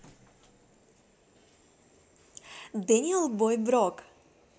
daniel boy broke